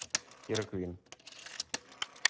kira queen